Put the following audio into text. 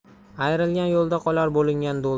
ayrilgan yo'lda qolar bo'lingan do'lda